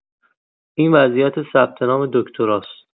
این وضعیت ثبت‌نام دکتری است!